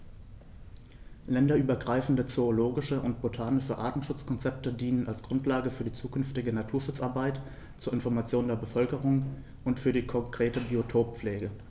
Länderübergreifende zoologische und botanische Artenschutzkonzepte dienen als Grundlage für die zukünftige Naturschutzarbeit, zur Information der Bevölkerung und für die konkrete Biotoppflege.